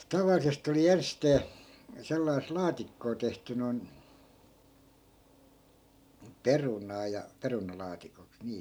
tavallisesti oli ensisteen sellaista laatikkoa tehty noin perunaa ja perunalaatikoksi niin